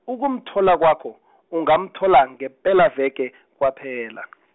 ukumthola kwakho , ungamthola ngepelaveke , kwaphela .